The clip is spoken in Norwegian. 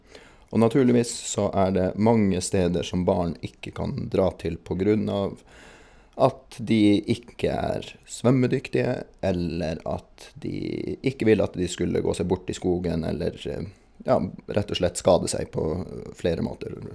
Og naturligvis så er det mange steder som barn ikke kan dra til på grunn av at de ikke er svømmedyktige eller at de ikke ville at de skulle gå seg bort i skogen eller, ja, rett og slett skade seg på flere måter.